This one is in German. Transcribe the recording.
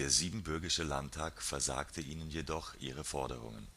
siebenbürgische Landtag versagte ihnen jedoch ihre Forderungen